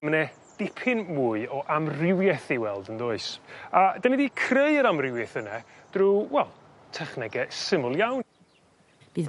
Ma' 'ne dipyn mwy o amrywieth i weld yn does? A 'dyn ni 'di creu'r amrywieth yne drw wel technege syml iawn. Bydd...